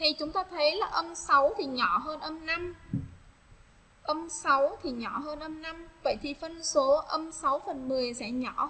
khi chúng ta thấy là thì nhỏ hơn thì nhỏ hơn em phân số âm sẽ nhỏ